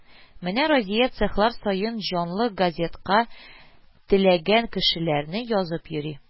Менә Разия цехлар саен җанлы газетка теләгән кешеләрне язып йөри